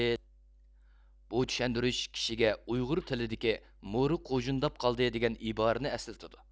بۇ چۈشەندۈرۈش كىشىگە ئۇيغۇر تىلىدىكى مورا قۇژۇنداپ قالدى دېگەن ئىبارىنى ئەسلىتىدۇ